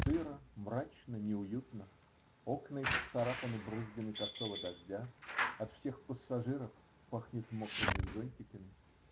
сыро, мрачно, неуютно, окна исцарапаны брызгами косого дождя, от всех пассажиров пахнет мокрыми зонтиками.